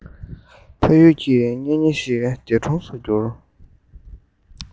ཕ ཡུལ གྱི གཉེན ཉེ ཞིག འདས གྲོངས སུ གྱུར